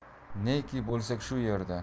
neki bo'lsak shu yerda